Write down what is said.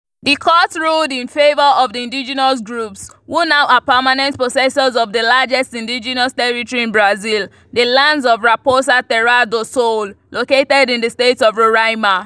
The court ruled in favor of the indigenous groups, who now are permanent possessors of the largest Indigenous Territory in Brazil — the lands of Raposa Terra do Sol, located in the state of Roraima.